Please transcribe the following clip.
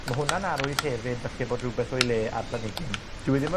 ma' hwnna'n arwydd hefyd, falle, bod rwbeth o'i le â'r planhigyn. Dyw e ddim o